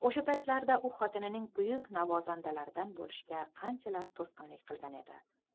o'sha paytlarda u xotinining buyuk navozandalardan bo'lishiga qanchalar to'sqinlik qilgan edi